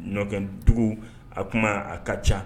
Ɲɔdugu a kuma a ka ca